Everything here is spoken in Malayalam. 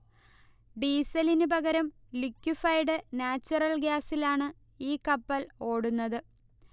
ഡീസലിന് പകരം ലിക്യുഫൈഡ് നാച്വറൽ ഗ്യാസിലാണ് ഈ കപ്പൽ ഓടുന്നത്